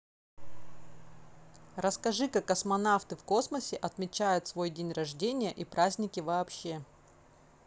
расскажи как космонавты в космосе отмечают свой день рождения и праздники вообще